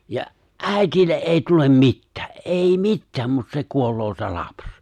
ja äidille ei tule mitään ei mitään mutta se kuolee se lapsi